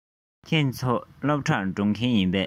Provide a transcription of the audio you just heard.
ཁྱེད ཚོ སློབ གྲྭར འགྲོ མཁན ཡིན པས